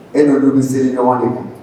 E' bɛ siriɲɔgɔn de bi